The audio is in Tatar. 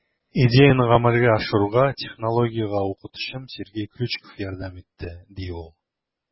Идеяне гамәлгә ашыруга технология укытучым Сергей Крючков ярдәм итте, - ди ул.